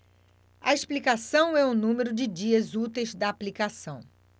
a explicação é o número de dias úteis da aplicação